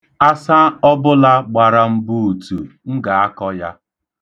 Asa ọbụla gbara m buutu, m ga-akọ ya.